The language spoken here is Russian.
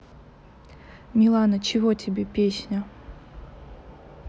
милана чего тебе мне песня